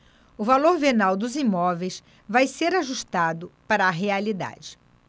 o valor venal dos imóveis vai ser ajustado para a realidade